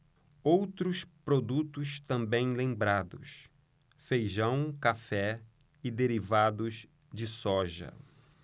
outros produtos também lembrados feijão café e derivados de soja